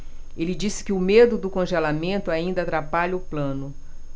ele disse que o medo do congelamento ainda atrapalha o plano